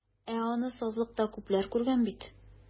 Ә аны сазлыкта күпләр күргән бит.